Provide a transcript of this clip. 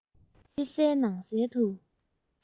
ཕྱི གསལ ནང གསལ དུ